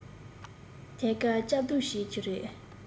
ཐད ཀར གཅར རྡུང བྱེད ཀྱི རེད